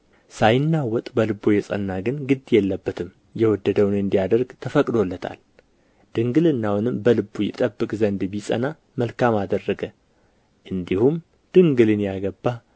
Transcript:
ሳይናወጥ በልቡ የጸና ግን ግድ የለበትም የወደደውን እንዲያደርግ ተፈቅዶለታል ድንግልናውንም በልቡ ይጠብቅ ዘንድ ቢጸና መልካም አደረገ እንዲሁም ድንግልን ያገባ